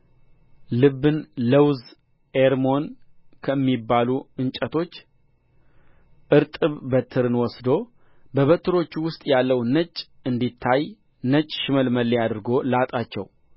ልብን ለውዝ ኤርሞን ከሚባሉ እንጨቶች እርጥብ በትርን ወስዶ በበትሮቹ ውስጥ ያለው ነጭ እንዲታይ ነጭ ሽመልመሌ አድርጎ ላጣቸው